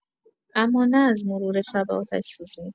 اما نه از مرور شب آتش‌سوزی.